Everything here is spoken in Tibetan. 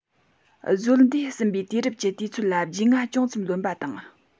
གཟོད འདས ཟིན པའི དུས རབས ཀྱི དུས ཚོད ལ རྒྱུས མངའ ཅུང ཙམ ལོན པ དང